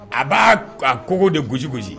A b'a a kogo de gosi gosi